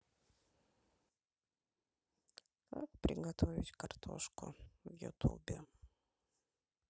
как приготовить картошку в ютубе